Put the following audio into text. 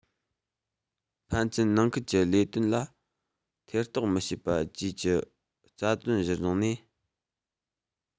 ཕན ཚུན ནང ཁུལ གྱི ལས དོན ལ ཐེ གཏོགས མི བྱེད པ བཅས ཀྱི རྩ དོན གཞིར བཟུང ནས